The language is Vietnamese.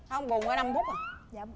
không buồn có năm